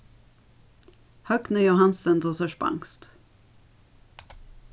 høgni johansen tosar spanskt